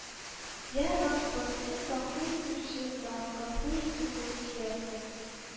Йә, Раббым, Син Гафу Итүче Зат, гафу итүне сөярсең